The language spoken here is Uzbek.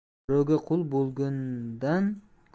birovga qui bo'lgandan